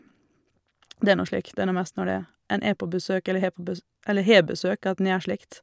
Det er nå slik, det er nå mest når det er en er på besøk eller har på bes eller har besøk at en gjør slikt.